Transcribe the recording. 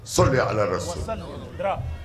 Sɔli ala